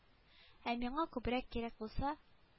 Ә миңа күбрәк кирәк булса